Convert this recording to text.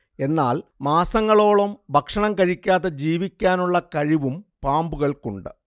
എന്നാൽ മാസങ്ങളോളം ഭക്ഷണം കഴിക്കാതെ ജീവിക്കാനുള്ള കഴിവും പാമ്പുകൾക്കുണ്ട്